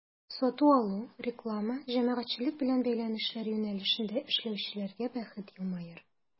Сату-алу, реклама, җәмәгатьчелек белән бәйләнешләр юнәлешендә эшләүчеләргә бәхет елмаер.